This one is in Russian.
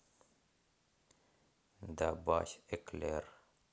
добавь эклер